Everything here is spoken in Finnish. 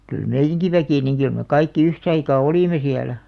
kyllä meidänkin väki niin kyllä me kaikki yhtä aikaa olimme siellä